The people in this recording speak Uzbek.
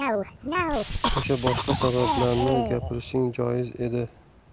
o'sha boshqa sabablarni gapirishing joiz edi